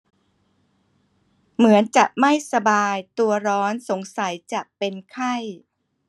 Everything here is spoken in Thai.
เหมือนจะไม่สบายตัวร้อนสงสัยจะเป็นไข้